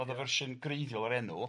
o'dd y fersiwn gwreiddiol o'r enw... Ia...